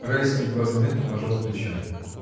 Райский едва заметно пожал плечами.